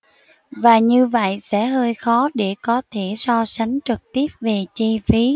và như vậy sẽ hơi khó để có thể so sánh trực tiếp về chi phí